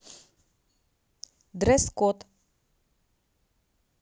дресс код